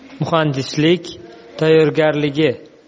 muhandislik tayyorgarligi